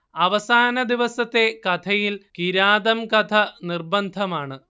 അവസാനദിവസത്തെ കഥയിൽ കിരാതംകഥ നിർബന്ധമാണ്